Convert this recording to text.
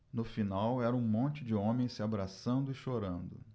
no final era um monte de homens se abraçando e chorando